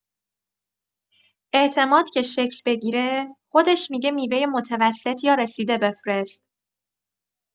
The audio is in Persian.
اعتماد که شکل بگیره، خودش می‌گه میوه متوسط یا رسیده بفرست.